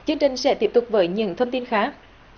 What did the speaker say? chương trình sẽ tiếp tục với những thông tin khác